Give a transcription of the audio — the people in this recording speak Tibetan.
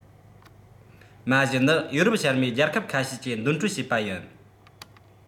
མ གཞི ནི ཡོ རོབ ཤར མའི རྒྱལ ཁབ ཁ ཤས ཀྱིས འདོན སྤྲོད བྱས པ ཡིན